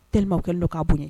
T kɛ don ka bon ye